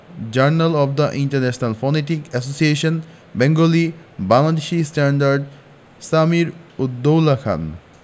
journal of the International Phonetic Association Bengali Bangladeshi standard Samir ud Daula Khan